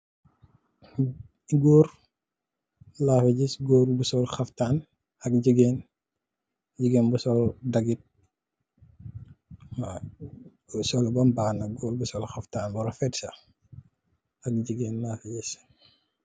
Gór la fi ngis, gór bu sol xaptan ak gigeen bu sol daget .